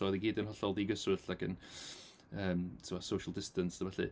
So oedd e gyd yn hollol digyswllt ac yn yym timod social distanced a ballu.